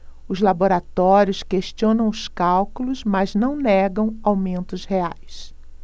os laboratórios questionam os cálculos mas não negam aumentos reais